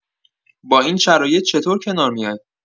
با این شرایط چطور کنار میای؟